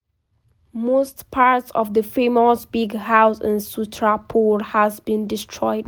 Most parts of the famous big house in Sutrapur has been destroyed.